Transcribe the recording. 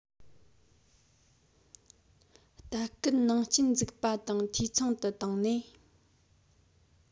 ལྟ སྐུལ ནང རྐྱེན འཛུགས པ དང འཐུས ཚང དུ བཏང ནས